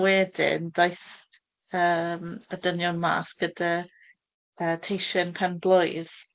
Wedyn, daeth, yym, y dynion mas gyda y teisen pen-blwydd.